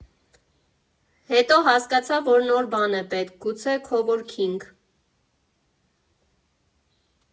Հետո հասկացավ, որ նոր բան է պետք՝ գուցե քո֊վորքի՞նգ։